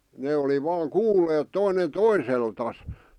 ne oli vain kuulleet toinen toiseltaan